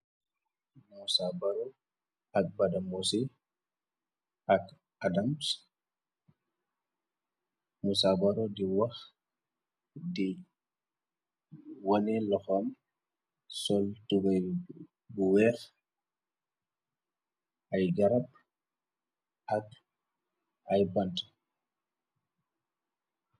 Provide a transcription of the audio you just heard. Musa baro ak badamose ak adams musa baro di wax di wone loxaam sol tugay bu weex ay garab ak ay bant.